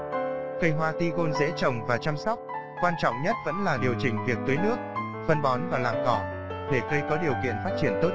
cây hoa tigon dễ trồng và chăm sóc quan trọng nhất vẫn là điều chỉnh việc tưới nước phân bón và làm cỏ để cây có điều kiện phát triển tốt nhất